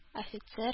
Офицер